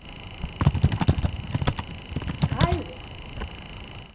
skillet